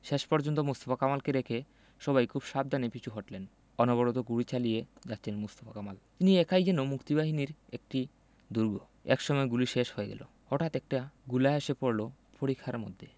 শেষ পর্যন্ত মোস্তফা কামালকে রেখে সবাই খুব সাবধানে পিছু হটলেন অনবরত গুলি চালিয়ে যাচ্ছেন মোস্তফা কামাল তিনি একাই যেন মুক্তিবাহিনীর একটা দুর্গ একসময় গুলি শেষ হয়ে গেল হটাঠ একটা গোলা এসে পড়ল পরিখার মধ্যে